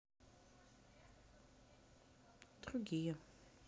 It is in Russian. другие